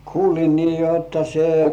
kuulin niin jotta -